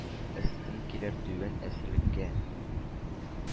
Өстен килер түбән әсирлеккә